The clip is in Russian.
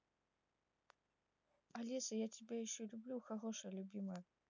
алиса я тебя еще люблю хорошая любимая